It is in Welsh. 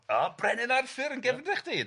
Y brenin Arthur yn gefndir chdi.